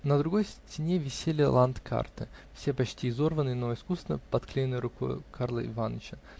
На другой стене висели ландкарты, все почти изорванные, но искусно подкленные рукою Карла Иваныча.